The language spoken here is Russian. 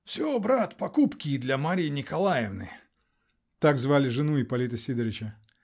"Все, брат, покупки для Марьи Николаевны !" (так звали жену Ипполита Сидорыча).